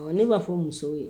Ɔ ne m'a fɔ musow ye